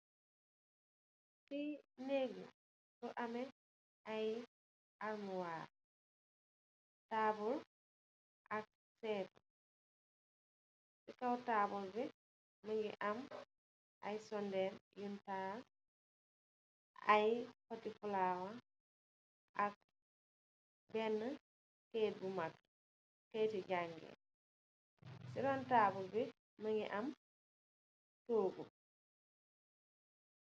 Lii neek la, neek bu am ay almuwaar, ak ay toogu ak taabul ak seetu. Si kow taabul bi mu ngi am ay soondel yuñg taal, ay Poti falaawa, ak beenë kayit bu mag. Kayiti jaangee kaay. Si Ron taabul bi, mu ngi am toogu.